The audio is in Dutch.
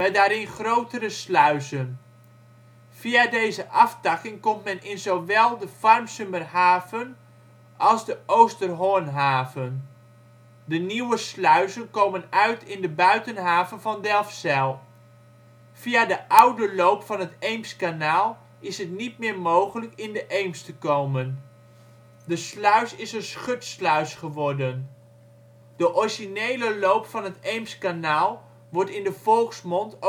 daarin grotere sluizen. Via deze aftakking komt men in zowel de Farmsumerhaven als de Oosterhornhaven. De nieuwe sluizen komen uit in de buitenhaven van Delfzijl. Via de oude loop van het Eemskanaal is het niet meer mogelijk in de Eems te komen. De sluis is een schutsluis geworden. De originele loop van het Eemskanaal wordt in de volksmond